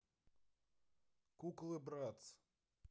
куклы братц